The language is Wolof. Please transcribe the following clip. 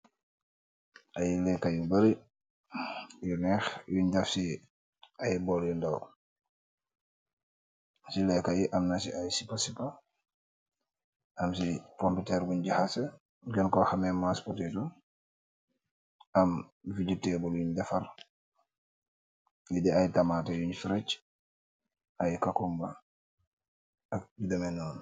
Aiiy lehkah yu bari yu nekh yungh deff cii aiiy borl yu ndaw, ci lehkah yii amna cii aiiy sipa sipa, am cii pompiterr bungh jahaseh gen kor hameh mashed potato, am vegetable yungh defarr, yii dii aiiy tamateh yungh fregge, aiiy cucumber ak yu demeh nonu.